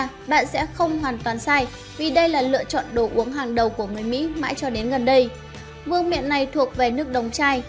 bạn sẽ không hoàn toàn sai vì đây là lựa chọn đồ uống hàng đầu của người mỹ mãi cho đến gần đây vương miện này thuộc về nước đóng chai